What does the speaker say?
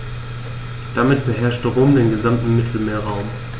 Damit beherrschte Rom den gesamten Mittelmeerraum.